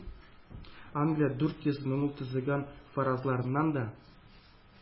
Англия – дүрт йөз меңул төзегән фаразларның да